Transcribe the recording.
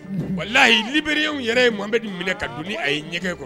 Lahi bri yɛrɛ ye mabe minɛ ka don a ye ɲɛgɛn kɔrɔ